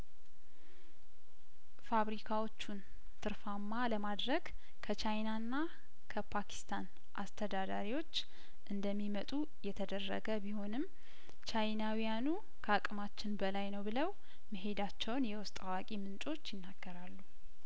ፋብሪካዎቹን ትርፋማ ለማድረግ ከቻይናና ከፓኪስታን አስተዳዳሪዎች እንደሚመጡ የተደረገ ቢሆንም ቻይናዊ ያኑ ከአቅማችን በላይ ነው ብለው መሄዳቸውን የውስጥ አዋቂ ምንጮች ይናገራሉ